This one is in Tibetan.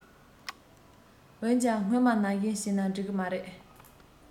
འོན ཀྱང སྔོན མ ནང བཞིན བྱས ན འགྲིག གི མ རེད